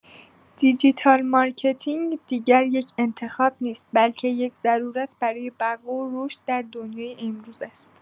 دیجیتال مارکتینگ دیگر یک انتخاب نیست، بلکه یک ضرورت برای بقا و رشد در دنیای امروز است.